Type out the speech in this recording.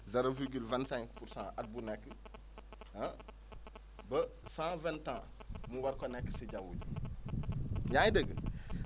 zero virgule vingt cinq pour cent at bu nekk ah ba cent vingt ans mu war ko nekk si jaww ji yaa ngi dégg